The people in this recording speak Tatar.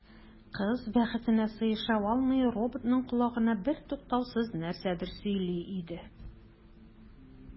Кыз, бәхетенә сыеша алмый, роботның колагына бертуктаусыз нәрсәдер сөйли иде.